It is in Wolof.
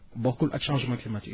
bokkul ak changement climatique